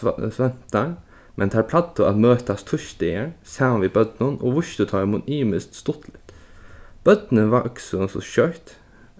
svøvntar men tær plagdu at møtast týsdagar saman við børnunum og vístu teimum ymiskt stuttligt børnini so skjótt